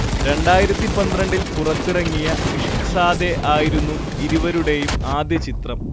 രണ്ടായിരത്തിപ്പന്ത്രണ്ടിൽ പുറത്തിറങ്ങിയ ഇഷ്ഖ്സാദെ ആയിരുന്നു ഇരുവരുടെയും ആദ്യ ചിത്രം